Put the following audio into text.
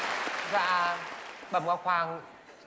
dạ bẩm ngọc hoàng